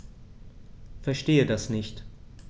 Verstehe das nicht.